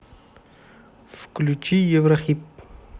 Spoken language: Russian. включи еврохип